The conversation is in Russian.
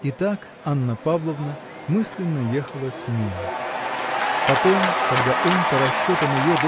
И так Анна Павловна мысленно ехала с ним. Потом когда он по расчетам ее